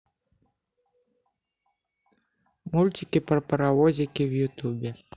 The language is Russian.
мультики про паровозики в ютубе